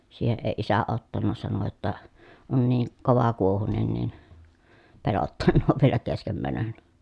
siihen ei isä ottanut sanoi jotta on niin kovakuohuinen niin pelottanee vielä kesken menon